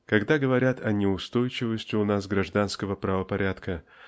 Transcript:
Когда говорят о неустойчивости у нас гражданского правопорядка